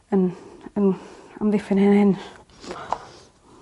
yn yn amddiffyn hen hyn.